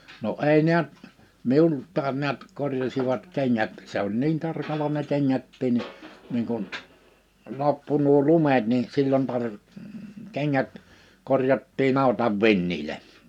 no ei näet minultakin näet korjasivat kengät se oli niin tarkalla ne kengätkin niin niin kun loppui nuo lumet niin silloin - kengät korjattiin aitan vintille